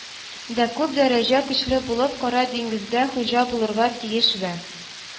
Да күп дәрәҗә көчле булып, кара диңгездә хуҗа булырга тиеш вә